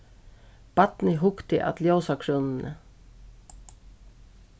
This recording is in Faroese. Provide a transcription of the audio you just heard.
barnið hugdi at ljósakrúnuni